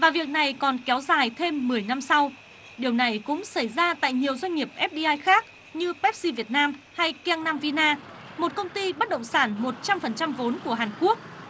và việc này còn kéo dài thêm mười năm sau điều này cũng xảy ra tại nhiều doanh nghiệp ép đi ai khác như pép si việt nam hay keng nam vi na một công ty bất động sản một trăm phần trăm vốn của hàn quốc